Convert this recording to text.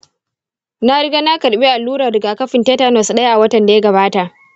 na riga na karbi allurar rigakafin tetanus daya a watan da ya gabata.